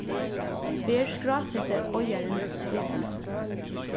ber skrásetti eigarin útreiðslurnar